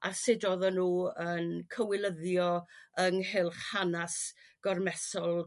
A sud o'ddan nhw yn cywilyddio yng nghylch hanas gormesol